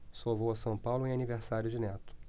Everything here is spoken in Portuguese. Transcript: só vou a são paulo em aniversário de neto